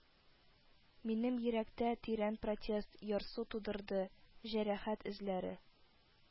Минем йөрәктә тирән протест, ярсу тудырды, җәрәхәт эзләре